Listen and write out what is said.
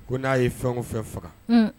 Ko n'a ye fɛn o fɛn faga